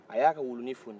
a y'a ka wuluni fɔɔni